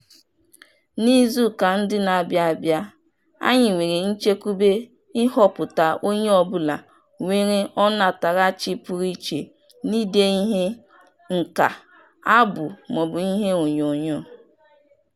N'izuụka ndị na-abịa abịa anyị nwere nchekwube ịhọpụta onye ọbụla nwere ọnatarachi pụrụiche n'ide ihe, nka, abụ maọbụ ihe onyonyo.